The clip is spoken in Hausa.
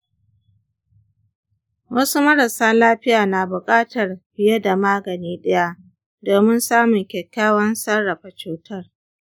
wasu marasa lafiya na buƙatar fiye da magani ɗaya domin samun kyakkyawan sarrafa cutar.